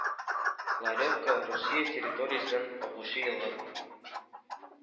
Ларевка Русия территориясеннән агучы елга